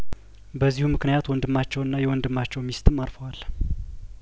በዚሁምክንያት ወንድማቸውና የወንድማቸው ሚስትም አርፈዋል